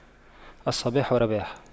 الصباح رباح